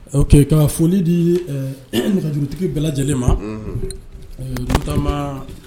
Ɔ ka foli di e dugutigitigi bɛɛ lajɛlen ma dunan